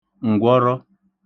ǹgwọrọ